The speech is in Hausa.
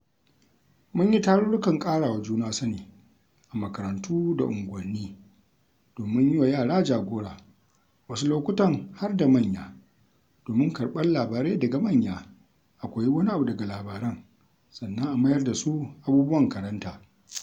Mun yi tarurrukan ƙarawa juna sani a makarantu da unguwanni domin yi wa yara jagora, wasu lokutan har da manya, domin karɓar labarai daga manya, a koyi wani abu daga labaran, sannan a mayar da su abubuwan karanta.